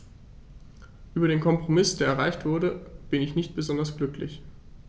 Über den Kompromiss, der erreicht wurde, bin ich nicht besonders glücklich.